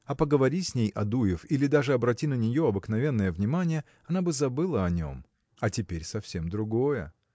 А поговори с ней Адуев или даже обрати на нее обыкновенное внимание – она бы забыла о нем а теперь совсем другое.